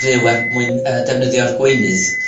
fyw er mwyn yy defnyddio'r gweinydd.